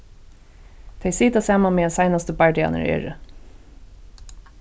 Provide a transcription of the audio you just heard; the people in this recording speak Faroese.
tey sita saman meðan seinastu bardagarnir eru